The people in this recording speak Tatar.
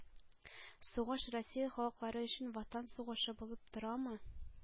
“сугыш россия халыклары өчен ватан сугышы булып торамы?”